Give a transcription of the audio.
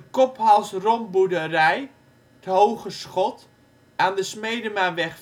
kop-hals-rompboerderij ' t Hoge Schot aan de Smedemaweg